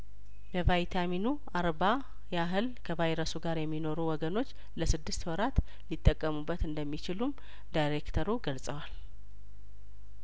በቫይታሚ ኑ አርባ ያህል ከቫይረሱ ጋር የሚኖሩ ወገኖች ለስድስት ወራት ሊጠቀሙበት እንደሚችሉም ዳይሬክተሩ ገልጸዋል